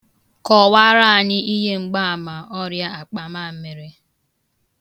Kọwara anyị ihe mgbama ọrịa akpamamịrị.